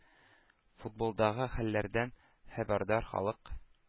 Футболдагы хәлләрдән хәбәрдар халык